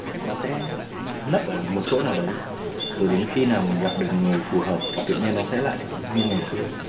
nó sẽ nấp ở một chỗ nào đấy rồi đến khi nào mình gặp được người phù hợp tự nhiên nó sẽ lại như ngày xưa